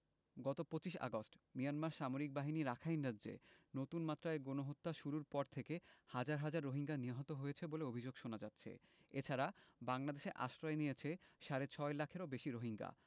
গত ২৫ August Myanmar সামরিক বাহিনী রাখাইন রাজ্যে নতুন মাত্রায় গণহত্যা শুরুর পর থেকে হাজার হাজার রোহিঙ্গা নিহত হয়েছে বলে অভিযোগ আছে এ ছাড়া বাংলাদেশে আশ্রয় নিয়েছে সাড়ে ছয় লাখেরও বেশি রোহিঙ্গা